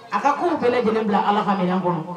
A ka ko kɛlɛ gɛlɛn bila ala ka minɛn kɔnɔ